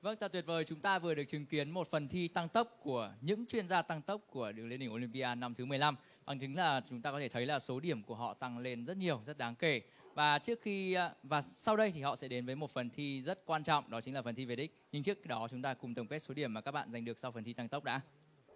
vâng thật tuyệt vời chúng ta vừa được chứng kiến một phần thi tăng tốc của những chuyên gia tăng tốc của đường lên đỉnh ô lim pi a năm thứ mười lăm bằng chứng là chúng ta có thể thấy là số điểm của họ tăng lên rất nhiều rất đáng kể và trước khi và sau đây thì họ sẽ đến với một phần thi rất quan trọng đó chính là phần thi về đích nhưng trước đó chúng ta cùng tổng kết số điểm mà các bạn giành được sau phần thi tăng tốc đã